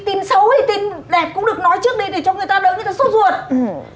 tin xấu hay tin đẹp cũng được nói trước đi cho người ta đỡ người ta sốt ruột